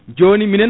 joni minen